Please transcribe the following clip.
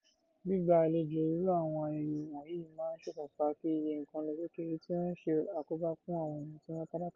Gbígba àlejò irú àwọn ayẹyẹ wọ̀nyìí máa ń ṣokùnfà kí iye nǹkan lọ sókè, èyí tí ó ń ṣe àkóbá fún àwọn èèyàn tí wọn tálákà jùlọ.